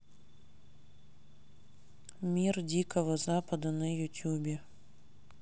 мир дикого запада на ютубе